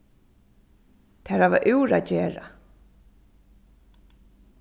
tær hava úr at gera